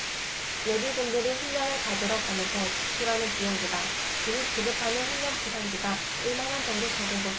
예비군들이 훈련을 받으러 가면서 지출하는 비용보다 군이 지급하는 훈련 보상비가 일 만원 정도 적은 것으로 드러났다